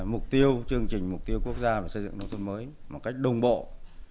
mục tiêu chương trình mục tiêu quốc gia về xây dựng nông thôn mới một cách đồng bộ